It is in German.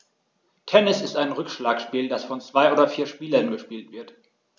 Tennis ist ein Rückschlagspiel, das von zwei oder vier Spielern gespielt wird.